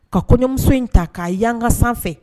Ka kɔɲɔmuso in ta k'a yanga sanfɛ